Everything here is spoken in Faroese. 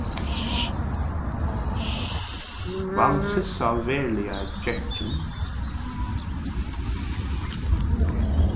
vann sissal veruliga gekkin